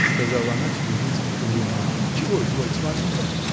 – сказала она через несколько времени. – Чего изволите, маменька?